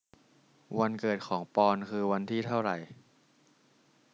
วันเกิดของปอนด์คือวันที่เท่าไร